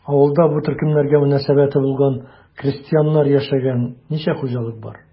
Авылда бу төркемнәргә мөнәсәбәте булган крестьяннар яшәгән ничә хуҗалык бар?